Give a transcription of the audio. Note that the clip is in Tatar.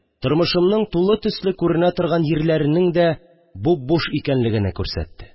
Тормышымның тулы төсле күренә торган җирләренең дә буп-буш икәнлегене күрсәтте